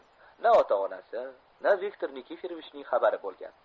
na ota onasi va na viktor nikiforovichning xabari bo'lgan